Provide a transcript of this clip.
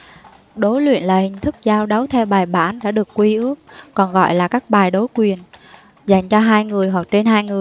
đối luyện là hình thức giao đấu theo bài bản đã được quy ước còn gọi là các bài đối quyền dành cho hai người hoặc trên hai người